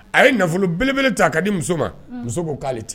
A ye nafolo belebele ta ko di muso ma . Muso ko kale tɛ.